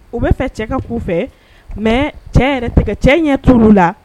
O bɛ fɛ cɛ ka fɛ mɛ cɛ cɛ ɲɛ tu la